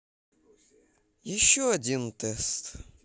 еще один тест